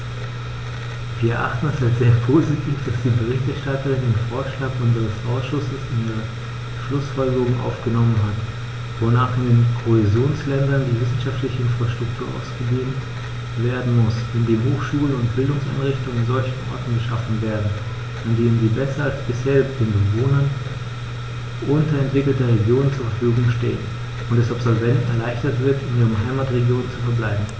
Wir erachten es als sehr positiv, dass die Berichterstatterin den Vorschlag unseres Ausschusses in ihre Schlußfolgerungen aufgenommen hat, wonach in den Kohäsionsländern die wissenschaftliche Infrastruktur ausgedehnt werden muss, indem Hochschulen und Bildungseinrichtungen an solchen Orten geschaffen werden, an denen sie besser als bisher den Bewohnern unterentwickelter Regionen zur Verfügung stehen, und es Absolventen erleichtert wird, in ihren Heimatregionen zu verbleiben.